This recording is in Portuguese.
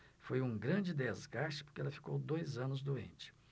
foi um grande desgaste porque ela ficou dois anos doente